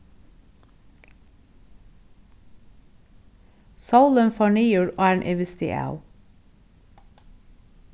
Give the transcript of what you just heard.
sólin fór niður áðrenn eg visti av